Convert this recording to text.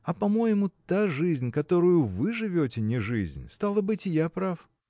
– А по-моему, та жизнь, которою вы живете, не жизнь стало быть, и я прав.